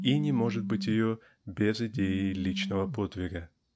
и не может быть ее без идеи личного подвига.